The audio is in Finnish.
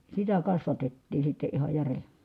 sitä kasvatettiin sitten ihan jären